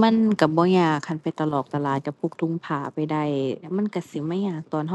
บ่มีความปลอดภัย เพราะว่า call center มันหลาย ก็เลยบ่เฮ็ดธุรกรรมการเงินด้านออนไ